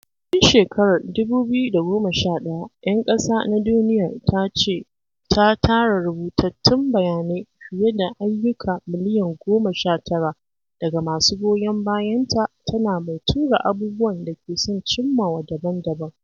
Tun shekarar 2011, 'Yan Ƙasa na Duniyar ta ce ta tara rubutattun bayanai fiye da "ayyuka" miliyan 19 daga masu goyon bayanta, tana mai tura abubuwan da ke son cimmawa daban-daban.